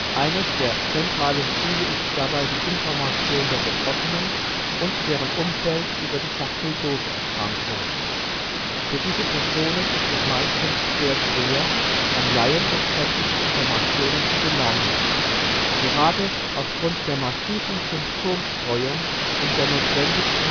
Eines der zentralen Ziele ist dabei die Information der Betroffenen und deren Umfeld über die Sarkoidose. Für diese Personen ist es meistens sehr schwer, an laienverständliche Informationen zu gelangen. Gerade aufgrund der massiven Symptomstreuung und der Notwendigkeit